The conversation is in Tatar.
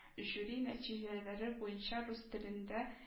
Жюри нәтиҗәләре буенча, рус телендә